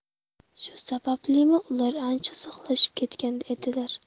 shu sabablimi ular ancha uzoqlashib ketgan edilar